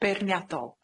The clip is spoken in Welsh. Beirniadol.